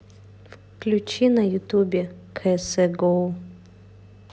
включи на ютубе кс гоу